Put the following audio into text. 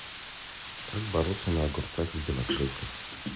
как бороться на огурцах с белокрылкой